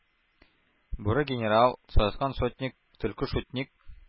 Бүре генерал, саескан сотник, төлке шутник,